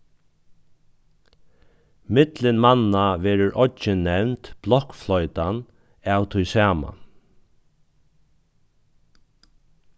millum manna verður oyggin nevnd blokkfloytan av tí sama